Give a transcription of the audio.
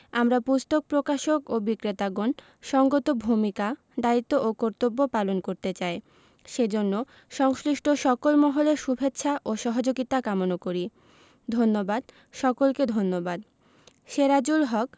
আমরা পুস্তক প্রকাশক ও বিক্রেতাগণ সঙ্গত ভূমিকা দায়িত্ব ও কর্তব্য পালন করতে চাই সেজন্য সংশ্লিষ্ট সকল মহলের শুভেচ্ছা ও সহযোগিতা কামনা করি ধন্যবাদ সকলকে ধন্যবাদ সেরাজুল হক